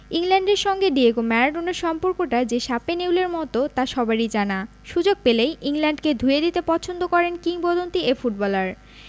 ইংল্যান্ডের সঙ্গে ডিয়েগো ম্যারাডোনার সম্পর্কটা যে শাপে নেউলের মতো তা সবারই জানা সুযোগ পেলেই ইংল্যান্ডকে ধুয়ে দিতে পছন্দ করেন কিংবদন্তি এ ফুটবলার